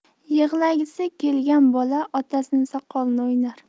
yig'lagisi kelgan bola otasining soqolini o'ynar